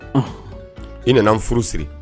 I nana n furu siri